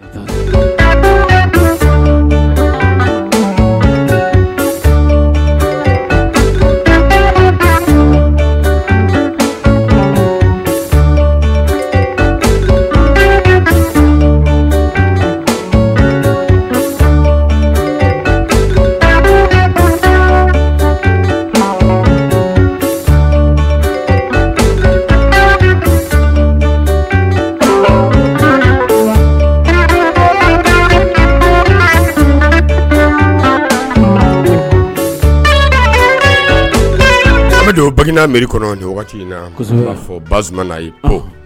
Bakarijan miri kɔnɔ na bas na i